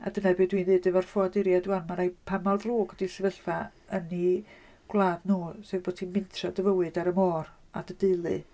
A dyna be dwi'n ddweud efo'r ffoaduriaid 'ŵan. Mae'n rhaid... pa mor ddrwg ydy'r sefyllfa yn eu gwlad nhw sef bod ti'n mentro dy fywyd ar y môr, a dy deulu.